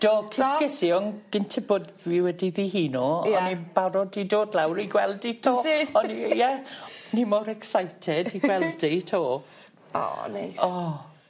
Do. Do. Cysges i on' gynta bod dwi wedi ddihuno... Ie. ...o'n i'n barod i dod lawr i gweld 'i 'to. Wt ti? O'n i i- ie o'n i mor excited i gweld hi 'to. O neis. O.